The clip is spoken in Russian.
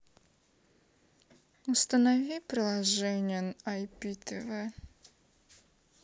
установи приложение ай пи тв